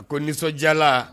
A ko nisɔndiyala